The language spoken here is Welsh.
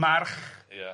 march. Ie.